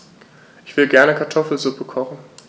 Ich will gerne Kartoffelsuppe kochen.